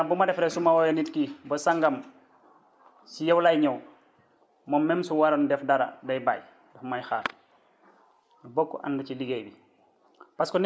programme bu ma def rek su ma wooyee nit ki bés sangam si yow laay ñëw moom même su waroon def dara day bàyyi may xaar bokk ànd ci liggéey bi